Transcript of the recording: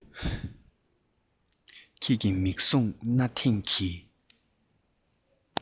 ཁྱོད ཀྱི མིག ཟུང གནའ དེང གི